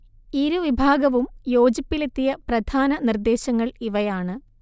ഇരു വിഭാഗവും യോജിപ്പിലെത്തിയ പ്രധാന നിർദ്ദേശങ്ങൾ ഇവയാണ്